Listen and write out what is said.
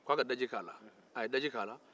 a ko a ka daji k'a la a ye daji k'al a